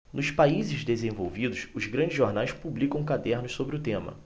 nos países desenvolvidos os grandes jornais publicam cadernos sobre o tema